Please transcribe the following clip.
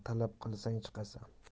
talab qilsang chiqasan